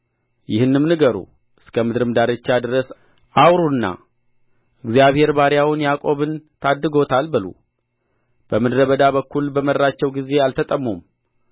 ይህንም ንገሩ እስከ ምድርም ዳርቻ ድረስ አውሩና እግዚአብሔር ባሪያውን ያዕቆብን ታድጎታል በሉ በምድረ በዳ በኩል በመራቸው ጊዜ አልተጠሙም